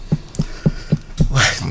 waa